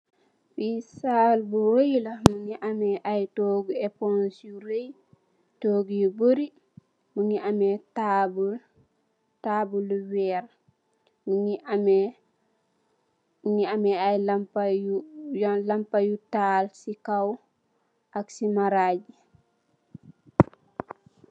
Li saal bu reyla munge ame aye toguh eponge yu rey toguh yu bari munge ame tabul yu werr munge ame lampu yu tahal si kaw tabul bi ak si maraj bi.